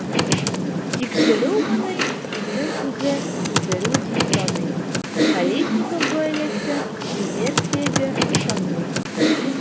Тикшеренү моны үзен-үзе үтерү дип саный, Колесников гаиләсе бу версиягә ышанмый.